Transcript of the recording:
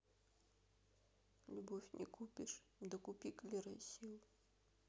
любовь не купишь да купи клерасил